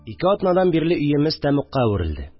Ике атнадан бирле өемез тәмугка әверелде